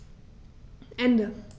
Ende.